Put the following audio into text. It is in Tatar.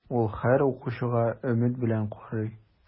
Ул һәр укучыга өмет белән карый.